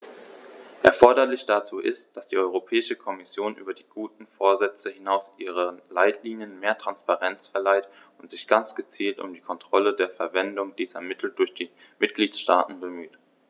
Erforderlich dazu ist, dass die Europäische Kommission über die guten Vorsätze hinaus ihren Leitlinien mehr Transparenz verleiht und sich ganz gezielt um die Kontrolle der Verwendung dieser Mittel durch die Mitgliedstaaten bemüht.